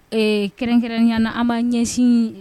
Ee kɛrɛnkɛrɛnyaana an b'a ɲɛsin